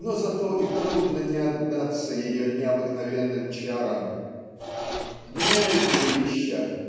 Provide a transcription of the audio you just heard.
но зато и трудно не отдаться ее необыкновенным чарам. Меняют жилища